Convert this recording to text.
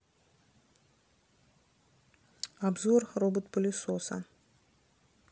обзор робот пылесоса